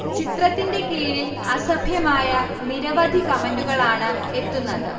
ചിത്രത്തിന്റെ കീഴിൽ അസഭ്യമായ നിരവധി കമന്റുകളാണ് എ്ത്തുന്നത്